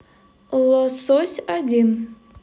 лосось один